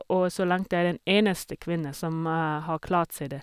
Og så langt jeg er den eneste kvinne som har klart seg det.